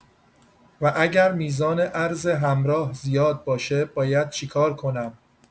و اگر میزان ارز همراه زیاد باشه باید چی کار کنم؟